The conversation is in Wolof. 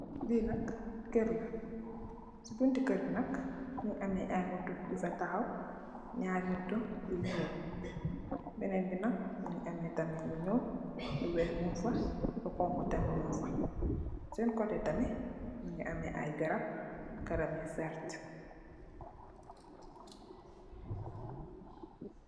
Li nak kèr la si buntu kèr bi nak mugii ameh ay moto yu fa taxaw ñaari moto yu ñuul benen bi nak mugii ameh tamit lu ñuul, lu wèèx mung fa, lu xonxu tamit mung fa. Sèèn koteh tamit mugii ameh ay garap, garap yu werta.